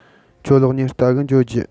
ཁྱོད གློག བརྙན ལྟ གི འགྱོ རྒྱུ